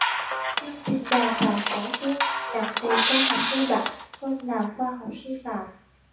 chương trình đào tạo giáo viên nặng về khoa học cơ bản hơn là khoa học sư phạm